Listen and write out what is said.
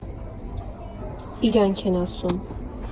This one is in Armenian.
Իրա՜նք են ասում։